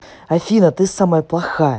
афина ты самая плохая